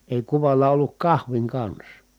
ei kuvalla ollut kahvin kanssa